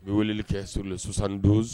U bɛ weleli kɛ so sosan don